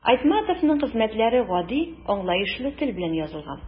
Айтматовның хезмәтләре гади, аңлаешлы тел белән язылган.